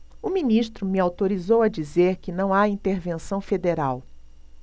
o ministro me autorizou a dizer que não há intervenção federal